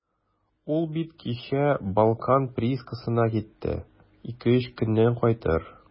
Ул бит кичә «Балкан» приискасына китте, ике-өч көннән кайтыр.